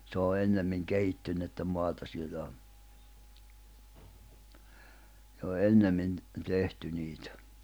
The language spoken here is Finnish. se on ennemmin kehittynyttä maata siellä on jo ennemmin tehty niitä